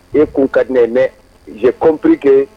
E k'u ka di mɛn ze kɔnmprike